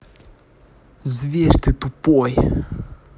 зверь ты тупой